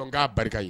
Dɔnku n'a barika ye